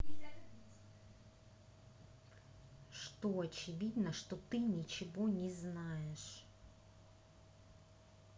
что очевидно что ты ничего не знаешь